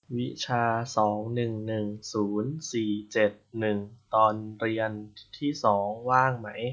วิชาสองหนึ่งหนึ่งศูนย์สี่เจ็ดหนึ่งตอนเรียนที่สองว่างไหม